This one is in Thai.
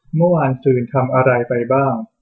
เมื่อวานซืนทำอะไรไปบ้าง